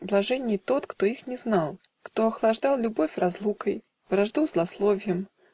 Блаженней тот, кто их не знал, Кто охлаждал любовь - разлукой, Вражду - злословием